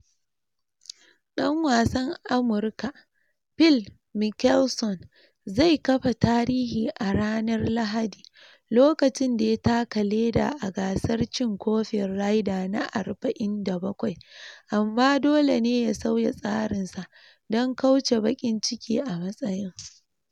Dan wasan Amurka Phil Mickelson zai kafa tarihi a ranar Lahadi lokacin da ya taka leda a gasar cin kofin Ryder na 47, amma dole ne ya sauya tsarinsa don kauce baƙin ciki a matsayin.